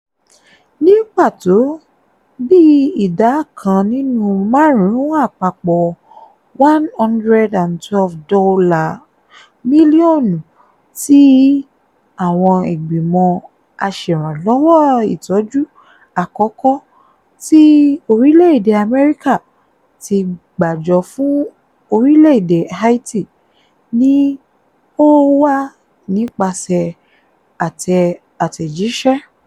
Ní pàtó, bíi ìdá kan nínú márùn-ún àpapọ̀ $112 mílíọ̀nù tí àwọn Ìgbìmọ̀ Aṣèrànlọ́wọ́ Ìtọ́jú Àkọ́kọ́ tí orílẹ̀ èdè America ti gbàjọ fún orílẹ̀-èdè Haiti ni ó wá nípasẹ̀ àtẹ̀ àtẹ̀jíṣẹ́.